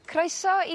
Croeso i...